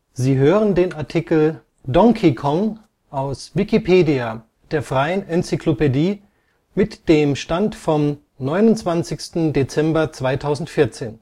Sie hören den Artikel Donkey Kong, aus Wikipedia, der freien Enzyklopädie. Mit dem Stand vom Der